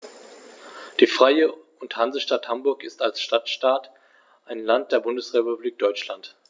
Die Freie und Hansestadt Hamburg ist als Stadtstaat ein Land der Bundesrepublik Deutschland.